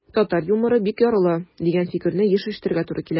Татар юморы бик ярлы, дигән фикерне еш ишетергә туры килә.